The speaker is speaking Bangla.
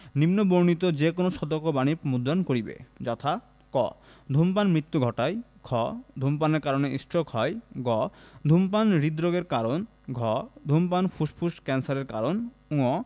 নিম্নবণিত যে কোন সতর্কবাণী মুদ্রণ করিবে যথা ক ধূমপান মৃত্যু ঘটায় খ ধূমপানের কারণে ষ্ট্রোক হয় গ ধূমপান হৃদরোগের কারণ ঘ ধূমপান ফুসফুস ক্যান্সারের কারণ ঙ